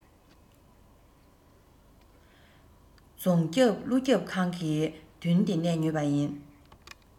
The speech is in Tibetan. རྫོང རྒྱབ ཀླུ རྒྱབ ཁང གི མདུན དེ ནས ཉོས པ ཡིན